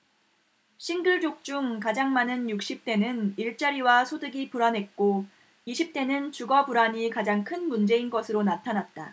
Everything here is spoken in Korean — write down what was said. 싱글족 중 가장 많은 육십 대는 일자리와 소득이 불안했고 이십 대는 주거 불안이 가장 큰 문제인 것으로 나타났다